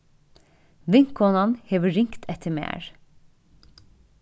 vinkonan hevur ringt eftir mær